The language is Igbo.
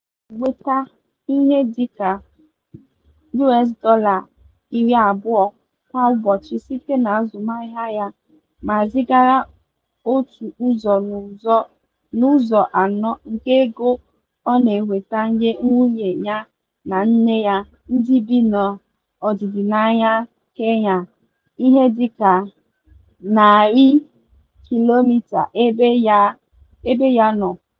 Martin na-enweta ihe dị ka US $20 kwa ụbọchị site n'azụmaahịa ya ma zịgara otu ụzọ n'ụzọ anọ nke ego ọ na-enweta nye nwunye ya na nne ya, ndị bi n'ọdịdaanyanwụ Kenya, ihe dịka 100 kilomita ebe ya nọ.